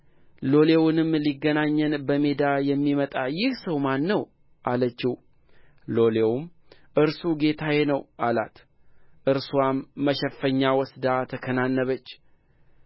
ሎሌውንም ሊገናኘን በሜዳ የሚመጣ ይህ ሰው ማን ነው አለችው ሎሌውም እርሱ ጌታዬ ነው አላት እርስዋም መሸፈኛ ወስዳ ተከናነበች